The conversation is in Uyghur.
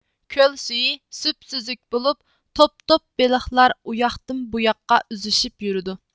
كۆل سۈيى سۈپسۈزۈك بولۇپ توپ توپ بېلىقلار ئۇياقتىن بۇياققا ئۈزۈشۈپ يۈرىدۇ